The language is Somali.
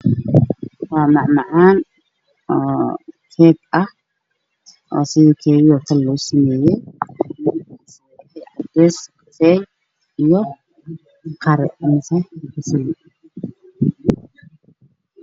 Waa jalaato askariinah oo midabkeedu yahay saaran tahay miis cadaan ku jirta saxan